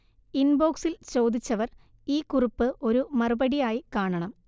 ഇൻബോക്സിൽ ചോദിച്ചവർ ഈ കുറിപ്പ് ഒരു മറുപടി ആയി കാണണം